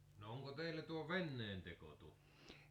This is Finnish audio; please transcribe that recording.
no onko teille tuo veneenteko tuttu